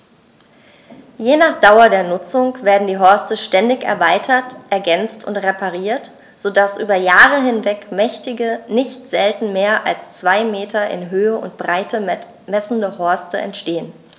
Je nach Dauer der Nutzung werden die Horste ständig erweitert, ergänzt und repariert, so dass über Jahre hinweg mächtige, nicht selten mehr als zwei Meter in Höhe und Breite messende Horste entstehen.